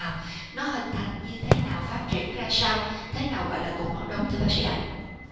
nó hình thành như thế nào phát triển ra sao thế nào gọi là cục máu đông từ bác sĩ ánh